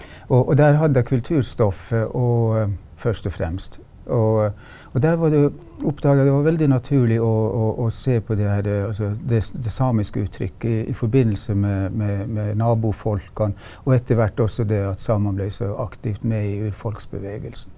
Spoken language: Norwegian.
og og der hadde jeg kulturstoffet og først og fremst og og der var det jo oppdaga jeg det var veldig naturlig å å å se på det her altså det det samiske uttrykket i i forbindelse med med med nabofolkene og etter hvert også det at samene ble så aktivt med i urfolksbevegelsen.